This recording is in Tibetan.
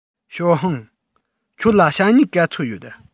ཞའོ ཧུང ཁྱོད ལ ཞྭ སྨྱུག ག ཚོད ཡོད